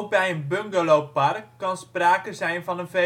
bij een bungalowpark kan sprake zijn van een VvE